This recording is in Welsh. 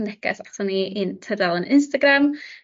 neges aton ni i'n tudalen Instagram ...